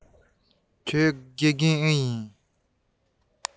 ཁྱེད རང དགེ རྒན རེད པས